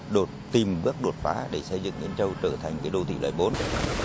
đột tìm bước đột phá để xây dựng diễn châu trở thành cái đô thị loại bốn